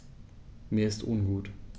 Mir ist ungut.